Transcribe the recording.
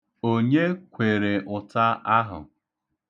Onye kwere ụta ahụ?